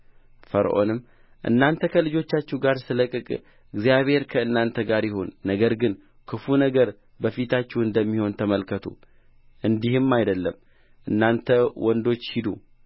ፈርዖንም እናንተን ከልጆቻችሁ ጋር ስለቅቅ እግዚአብሔር ከእናንተ ጋር ይሁን ነገር ግን ክፉ ነገር በፊታችሁ እንደሚሆን ተመልከቱ እንዲህም አይይደለም እናንተ ወንዶቹ ሂዱ